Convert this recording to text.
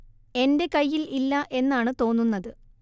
എന്റെ കയ്യിൽ ഇല്ല എന്നാണ് തോന്നുന്നത്